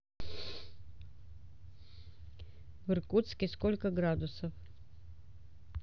в иркутске сколько градусов